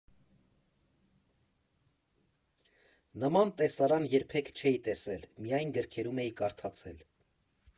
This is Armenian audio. Նման տեսարան երբեք չէի տեսել, միայն գրքերում էի կարդացել։